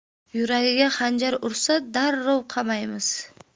yuragiga xanjar ursa darrov qamaymiz